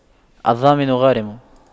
الضامن غارم